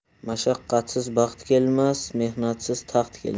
mashaqqatsiz baxt kelmas mehnatsiz taxt kelmas